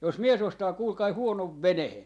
jos mies ostaa kuulkaa huonon veneen